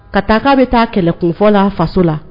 Ka taga k'a bɛ taa kɛlɛkunfɔ la faso la